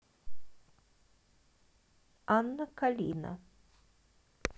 анна калина